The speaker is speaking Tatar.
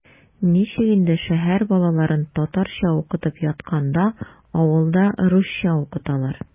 Ничек инде шәһәр балаларын татарча укытып ятканда авылда русча укыталар?!